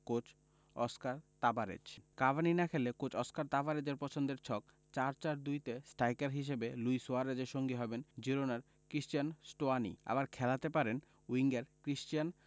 coach Oscar Tabarez Cavani না খেললে coach Oscar তাবারেজের পছন্দের ছক ৪ ৪ ২ তে স্ট্রাইকার হিসেবে লুই সুয়ারেজের সঙ্গী হবেন জিরোনার ক্রিস্টিয়ান স্টুয়ানি আবার খেলাতে পারেন উইঙ্গার ক্রিস্টিয়ান